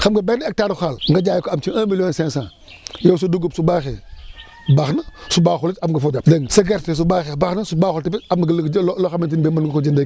xam nga benn hectare xaal nga jaay ko am ci un million cinq cent yow sa dugub su baaxee baax na su baxul it am nga foo jàpp dégg nga sa gerte su baaxee baax na su baaxul tamit am nga jël loo xamante ni mën nga ko jëndee